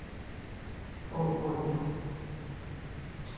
пол уокер